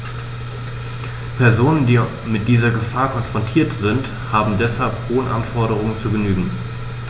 Personen, die mit dieser Gefahr konfrontiert sind, haben deshalb hohen Anforderungen zu genügen.